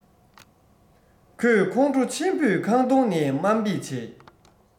ཁོས ཁོང ཁྲོ ཆེན པོས ཁང སྟོང ནས དམའ འབེབས བྱས